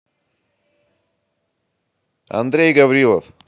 андрей гаврилов